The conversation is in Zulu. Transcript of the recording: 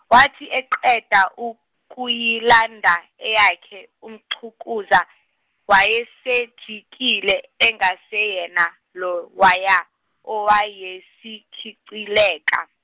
wathi eqeda ukuyilanda eyakhe uMxukuza wayesejikile engaseyena lowaya owayesekhicileka.